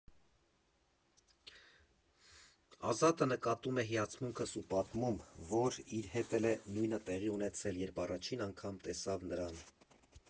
Ազատը նկատում է հիացմունքս ու պատմում, որ իր հետ էլ էր նույնը տեղի ունեցել, երբ առաջին անգամ տեսավ նրան։